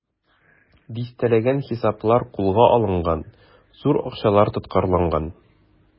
Дистәләгән хисаплар кулга алынган, зур акчалар тоткарланган.